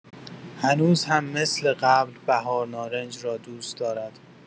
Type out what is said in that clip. هنوز هم مثل قبل بهارنارنج را دوست دارد.